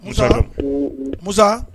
Musa musa